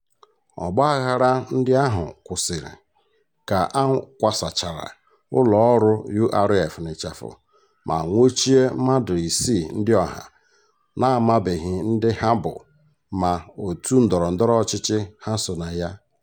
Ọgbaghara ndị ahụ kwụsịrị ka a kwasachara ụlọ ọrụ URF ma nwụchie mmadụ isii ndị ọha na-amabeghị ndị ha bụ ma òtù ndọrọ ndọrọ ọchị ha so na ya.